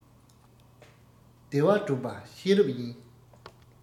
བདེ བ བསྒྲུབ པ ཤེས རབ ཡིན